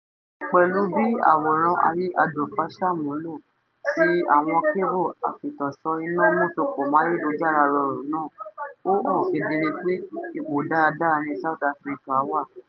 Pẹ̀lú bí àwòrán ayé adùnfáṣàmúlò ti àwọn kébù afìtànsán-iná-músopọ̀máyélujára-rọrùn náà, ó hàn kedere pé ipò dáadáa ni South Africa wà.